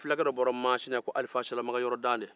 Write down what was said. fulakɛ dɔ bɔra masina ko alifa silamakan yɔrɔ dale